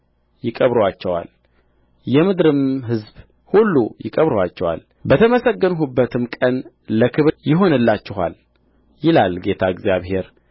ይቀብሩአቸዋል የምድርም ሕዝብ ሁሉ ይቀብሩአቸዋል በተመሰገንሁበትም ቀን ለክብር ይሆንላችኋል ይላል ጌታ እግዚአብሔር